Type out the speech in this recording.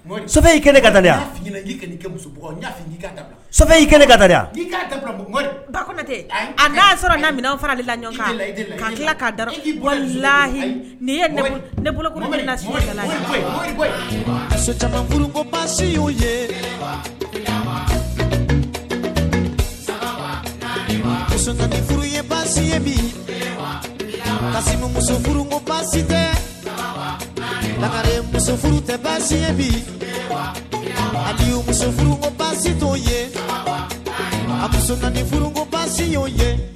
Ka ka a' sɔrɔ ka minɛn fara la ɲɔgɔn layi y'o ye furu tɛ muso tɛsi'o yese y'o ye